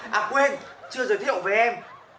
à quên chưa giới thiệu với em